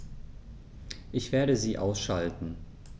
Ich werde sie ausschalten